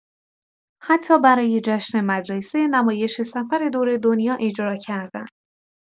حتی برای جشن مدرسه، نمایش سفر دور دنیا اجرا کردن.